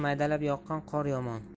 maydalab yoqqan qor yomon